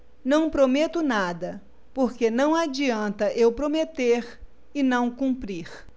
não prometo nada porque não adianta eu prometer e não cumprir